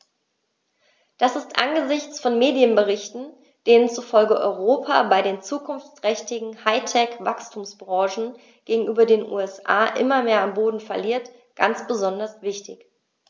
Das ist angesichts von Medienberichten, denen zufolge Europa bei den zukunftsträchtigen High-Tech-Wachstumsbranchen gegenüber den USA immer mehr an Boden verliert, ganz besonders wichtig.